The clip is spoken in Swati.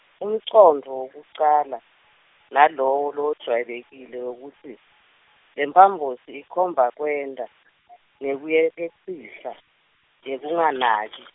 umcondvo wekucala nalowo lojwayelekile wekutsi lemphambosi ikhomba kwenta ngekuyeketsisa nekunganaki.